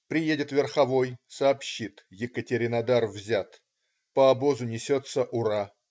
Приедет верховой, сообщит: Екатеринодар взят. По обозу несется "ура".